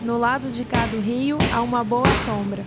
no lado de cá do rio há uma boa sombra